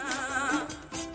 Sa